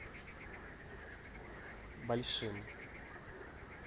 большим